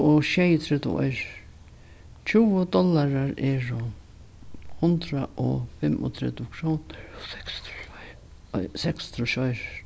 og sjeyogtretivu oyrur tjúgu dollarar eru hundrað og fimmogtretivu krónur og seksogtrýss oyru seksogtrýss oyrur